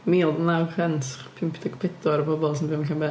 mil naw cant pump deg pedwar O bobl sy'n byw yn Llanber.